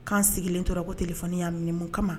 K'an sigilen tora ko tile fana y'a minɛ kama